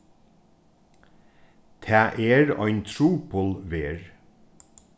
tað er ein trupul verð